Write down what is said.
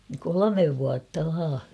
kolme vuotta vain